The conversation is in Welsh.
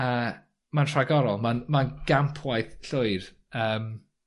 A ma'n rhagorol ma'n ma'n gampwaith llwyr yym.